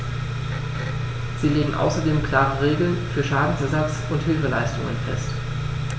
Sie legt außerdem klare Regeln für Schadenersatz und Hilfeleistung fest.